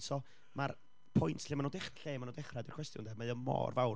So, ma'r point lle maen nhw'n dech- lle maen nhw'n dechrau, ydy'r cwestiwn ynde, mae o mor fawr,